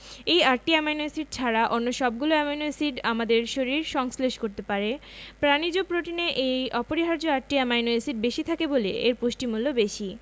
এই আটটি amino acid ছাড়া অন্য সবগুলো অ্যামাইনো এসিড আমাদের শরীর সংশ্লেষ করতে পারে প্রাণিজ প্রোটিনে এই অপরিহার্য আটটি অ্যামাইনো এসিড বেশি থাকে বলে এর পুষ্টিমূল্য বেশি